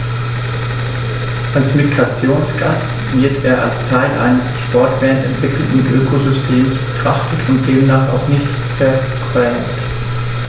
Als Migrationsgast wird er als Teil eines sich fortwährend entwickelnden Ökosystems betrachtet und demnach auch nicht vergrämt.